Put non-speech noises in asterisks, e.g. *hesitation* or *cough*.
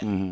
*hesitation* *hesitation*